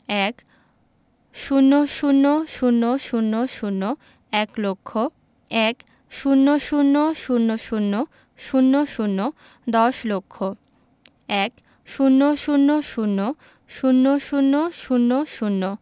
১০০০০০ এক লক্ষ ১০০০০০০ দশ লক্ষ ১০০০০০০০